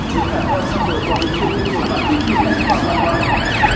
giống gà welsummer còn được yêu thích bởi bản tính hiền lành và ngoan ngoãn